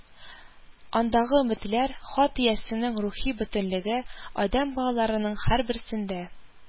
Андагы өметләр, хат иясенең рухи бөтенлеге адәм балаларының һәрберсенә